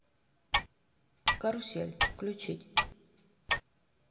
карусель включить